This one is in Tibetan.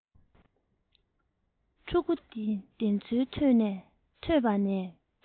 ཕྲུ གུ དེ ཚོའི ཐོད པ ནས